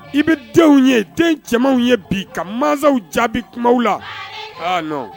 I bɛ denw ye den cɛmanw ye bi ka masaw jaabi kumaw la h